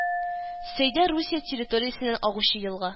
Сойда Русия территориясеннән агучы елга